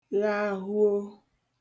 ghahuo